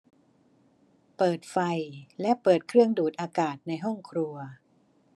เปิดไฟและเปิดเครื่องดูดอากาศในห้องครัว